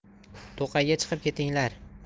to'qayga chiqib ketinglar